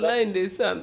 wallay ndeysan